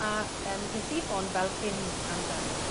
A yym nes i sôn fel hyn amdani,